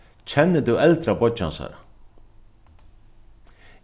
kennir tú eldra beiggja hansara